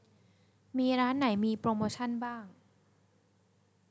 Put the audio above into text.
มีร้านไหนมีโปรโมชันบ้าง